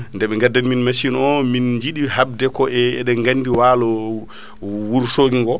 nde ɓe gaddani min machine o nmin jiiɗi habde ko e eɗen gandi walo o Wourossogui ngo